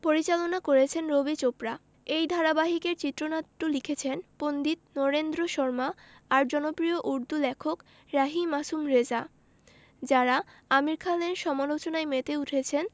পরিচালনা করেছেন রবি চোপড়া এই ধারাবাহিকের চিত্রনাট্য লিখেছেন পণ্ডিত নরেন্দ্র শর্মা আর জনপ্রিয় উর্দু লেখক রাহি মাসুম রেজা যাঁরা আমির খানের সমালোচনায় মেতে উঠেছেন